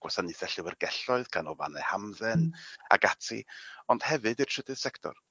gwasanaethe llyfyrgelloedd ganolfane hamdden ag ati ond hefyd i'r trydydd sector.